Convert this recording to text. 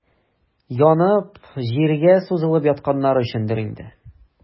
Янып, җиргә сузылып ятканнары өчендер инде.